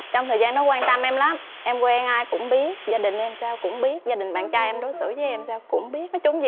trong thời gian đó quan tâm em lắm em quen ai cũng biết gia đình em sao cũng biết gia đình bạn trai em đối xử với em sao cũng biết nói chung gì